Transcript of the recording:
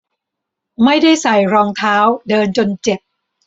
ไม่ได้ใส่รองเท้าเดินจนเจ็บ